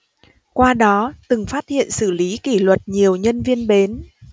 qua đó từng phát hiện xử lý kỷ luật nhiều nhân viên bến